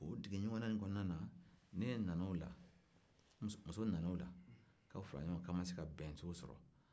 o deliɲɔgɔnna in kɔnɔ na n'e nana ola muso nana ola ko aw farala ɲɔgɔn kan a ma se ka bɛn